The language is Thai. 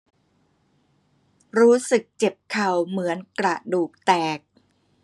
รู้สึกเจ็บเข่าเหมือนกระดูกแตก